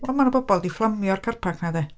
Wel mae 'na bobl 'di fflamio'r car park 'na de.